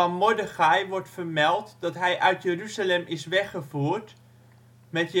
Mordechai wordt vermeld dat hij uit Jeruzalem is weggevoerd met